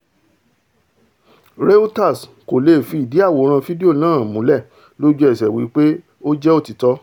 Reuters kò leè fi ìdí àwòrán fídíò náà múlẹ̀ lójú-ẹṣẹ̀ wí pé ó jẹ òtítọ́.